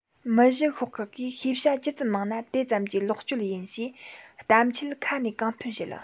མི བཞི ཤོག ཁག གིས ཤེས བྱ ཇི ཙམ མང ན དེ ཙམ གྱིས ལོག སྤྱོད ཡིན ཞེས གཏམ འཆལ ཁ ནས གང ཐོན བཤད